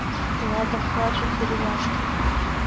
лада хватит деревяшки